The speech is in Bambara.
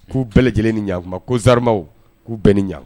K'u bɛɛ lajɛlen ni ɲ ɲa kuma ma ko zarmaw k'u bɛɛ ni ɲa